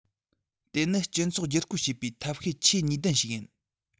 དེ ནི སྤྱི ཚོགས བསྒྱུར བཀོད བྱེད པའི ཐབས ཤེས ཆེས ནུས ལྡན ཞིག ཡིན